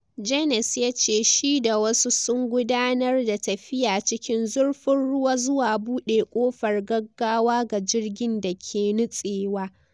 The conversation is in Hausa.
Jaynes ya ce shi da wasu sun gudanar da tafiya cikin zurfin ruwa zuwa bude kofar gaggawa ga jirgin dake nutsewa.